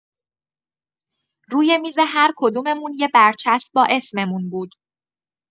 روی میز هر کدوممون یه برچسب با اسممون بود.